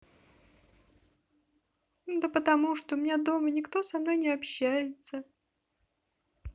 да потому что у меня дома никто со мной не общается